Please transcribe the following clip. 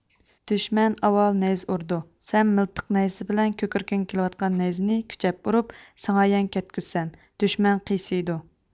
دۈشمەن ئاۋۋال نەيزە ئۇرىدۇ سەن مىلتىق نەيزىسى بىلەن كۆكرىكىڭگە كېلىۋاتقان نەيزىنى كۈچەپ ئۇرۇپ سىڭايان كەتكۈزىسەن دۈشمەن قىيسىيىدۇ